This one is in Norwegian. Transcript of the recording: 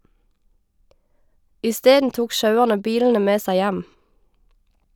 Isteden tok sjauerne bilene med seg hjem.